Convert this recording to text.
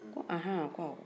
ko ahan ko awɔ